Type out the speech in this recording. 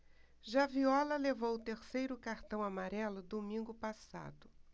já viola levou o terceiro cartão amarelo domingo passado